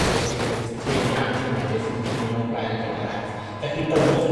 beth yw 'yn tueddiade ni, a beth 'yn ni'n dymuno gweld yn yr ardd. Felly, byddwch yn